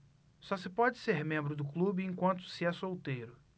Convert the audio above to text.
só se pode ser membro do clube enquanto se é solteiro